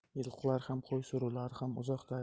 yilqilar ham qo'y suruvlari ham uzoqdagi